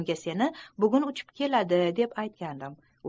unga seni bugun uchib keladi deb aytgandim